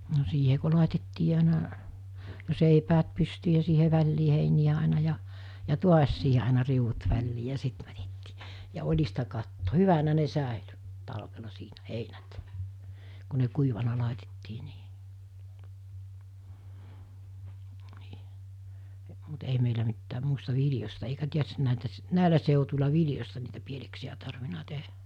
no siihen kun laitettiin aina seipäät pystyyn ja siihen väliin heiniä aina ja ja taas siihen aina riu'ut väliin ja sitten mätettiin ja oljista katto hyvänä ne säilyi talvella siinä heinät kun ne kuivana laitettiin niin niin mutta ei meillä mitään muista viljoista eikä tietysti näitä näillä seuduilla viljoista niitä pieleksiä tarvinnut tehdä